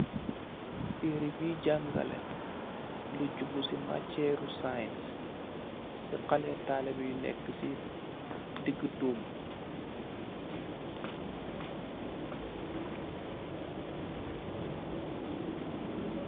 Tairaih bii jangaleh, lu jublu si macheeru science, si khalee talibeh yu nek si dig dum.